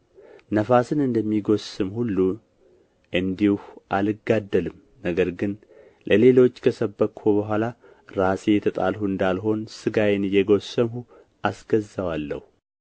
ነፋስን እንደሚጎስም ሁሉ እንዲሁ አልጋደልም ነገር ግን ለሌሎች ከሰበክሁ በኋላ ራሴ የተጣልሁ እንዳልሆን ሥጋዬን እየጎሰምሁ አስገዛዋለሁ